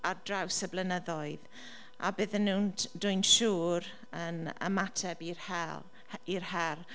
Ar draws y blynyddoedd a byddan nhw'n d- dw i'n siŵr yn ymateb i'r hel- i'r her.